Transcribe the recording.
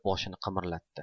boshini qimirlatdi